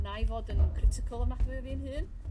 'nai fod yn critical ofnadwy o fi'n hun